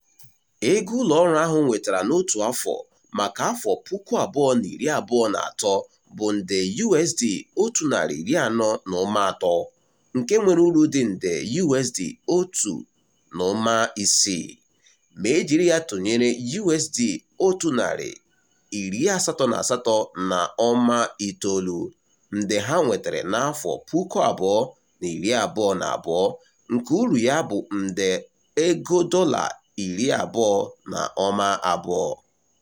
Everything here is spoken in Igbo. Ego ụlọọrụ ahụ nwetara n'otu afọ maka 2023 bụ nde USD 140.3, nke nwere uru dị nde USD 1.6, ma e jiri ya tụnyere USD 188.9 nde ha nwetara na 2022, nke uru ya bụ nde $20.2.